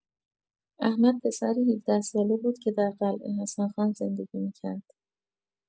احمد پسری ۱۷ ساله بود که در قلعه حسن خان زندگی می‌کرد.